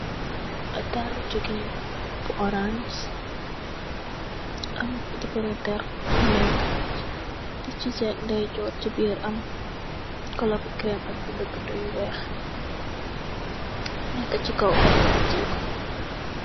Dalli jigéen bu orans, am defaree dér, si biir am, koolo bu am kerem ak bindë bindë yu weex, neekë ci kow, ay loxo tiye ko.